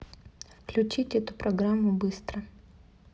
выключить эту программу быстро